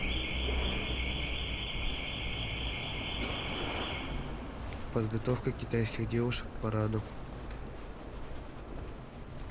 подготовка китайских девушек к параду